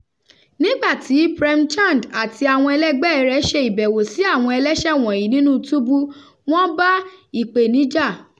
Nígbàtí Prem Chand àti àwọn ẹlẹgbẹ́ẹ rẹ̀ ṣe ìbẹ̀wò sí àwọn ẹlẹ́ṣẹ̀ wọ̀nyí nínúu túbú, wọ́n bá ìpèníjà: